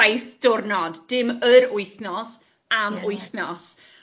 Saith diwrnod, dim yr wythnos, am wythnos.